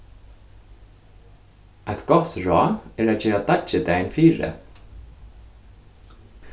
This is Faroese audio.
eitt gott ráð er at gera deiggið dagin fyri